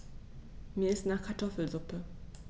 Mir ist nach Kartoffelsuppe.